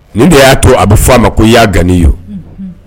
Nin de y'a to a ma fɔ a ma ko yaa ganiyyu